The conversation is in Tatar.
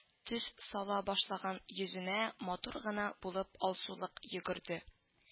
Төс сала башлаган йөзенә матур гына булып алсулык йөгерде